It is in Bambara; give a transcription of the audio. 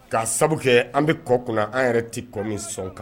Ka sababu kɛ an bɛ kɔ kunna an yɛrɛ tɛ kɔ min sɔn kan